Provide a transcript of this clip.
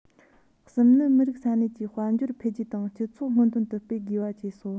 གསུམ ནི མི རིགས ས གནས ཀྱི དཔལ འབྱོར འཕེལ རྒྱས དང སྤྱི ཚོགས སྔོན ཐོན དུ སྤེལ དགོས པ བཅས སོ